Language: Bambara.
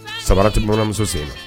Sabara tɛ bɔramuso sen la